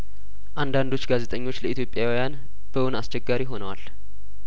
አንዳንዶች ጋዜጠኞች ለኢትዮጵያውያን በውን አስቸጋሪ ሆነዋል